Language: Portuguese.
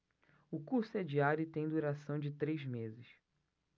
o curso é diário e tem duração de três meses